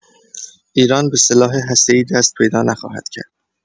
ایران به سلاح هسته‌ای دست پیدا نخواهد کرد.